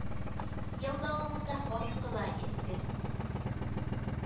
Ел дәвамында хаҗкыла, изге